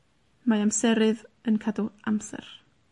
Mae amserydd yn cadw amser.